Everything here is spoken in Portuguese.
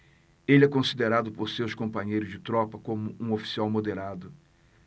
ele é considerado por seus companheiros de tropa como um oficial moderado